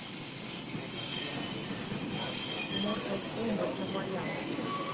mortal kombat навалял